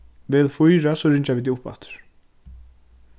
vel fýra so ringja vit teg uppaftur